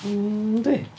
Yndi.